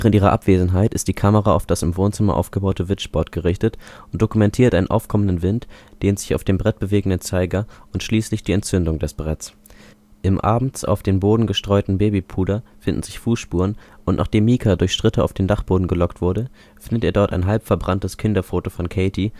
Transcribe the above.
ihrer Abwesenheit ist die Kamera auf das im Wohnzimmer aufgebaute Witchboard gerichtet und dokumentiert einen aufkommenden Wind, den sich auf dem Brett bewegenden Zeiger und schließlich die Entzündung des Bretts. Im abends auf den Boden gestreuten Babypuder finden sich Fußspuren, und nachdem Micah durch Schritte auf den Dachboden gelockt wurde, findet er dort ein halb verbranntes Kinderfoto von Katie